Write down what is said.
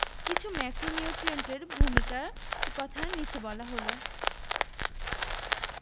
কিছু ম্যাক্রোনিউট্রিয়েন্টের ভূমিকার কথা নিচে বলা হল